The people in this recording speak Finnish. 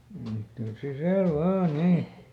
mm tule sisälle vain niin